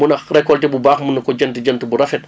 mun a récolter :!fra bu baax mun a ko jënd jënd bu rafet